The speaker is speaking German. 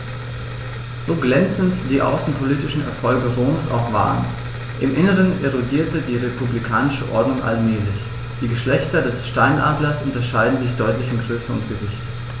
So glänzend die außenpolitischen Erfolge Roms auch waren: Im Inneren erodierte die republikanische Ordnung allmählich. Die Geschlechter des Steinadlers unterscheiden sich deutlich in Größe und Gewicht.